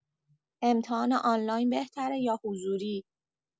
امتحان آنلاین بهتره یا حضوری؟